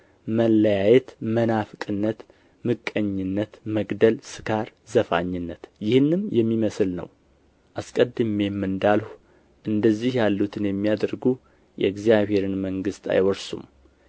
መለያየት መናፍቅነት ምቀኝነት መግደል ስካር ዘፋኝነት ይህንም የሚመስል ነው አስቀድሜም እንዳልሁ እንደዚህ ያሉትን የሚያደርጉ የእግዚአብሔርን መንግሥት አይወርሱም